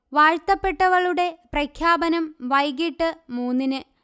വാഴ്ത്തപ്പെട്ടവളുടെ പ്രഖ്യാപനം വൈകീട്ട് മൂന്നിന്